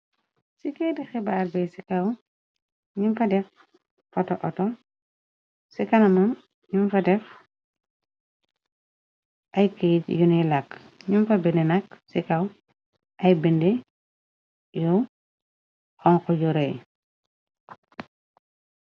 Ci kayti xibaar bi nyun fa def foto auto ci kanaman ñun fa def ay keyt yuni làkk ñum fa binde nakk ci kaw ay binde yu xonxu yu raay.